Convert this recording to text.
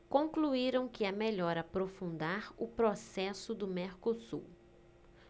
concluíram que é melhor aprofundar o processo do mercosul